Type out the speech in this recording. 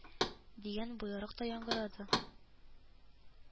Дигән боерык та яңгырады